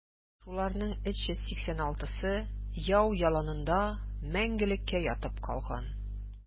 Шуларның 386-сы яу яланында мәңгелеккә ятып калган.